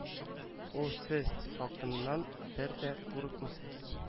О сез салкыннан бер дә курыкмыйсыз